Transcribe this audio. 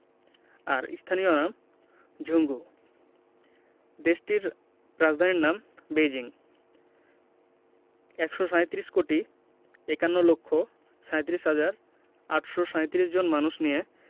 আর স্থানীয় নাম ঝুংঘু দেশটির রাজধানীর নাম বেইজিং ১৩৭ কোটি ৫১ লক্ষ ৩৭ হাজার ৮৩৭ জন মানুষ নিয়ে